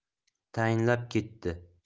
tayinlab ketdi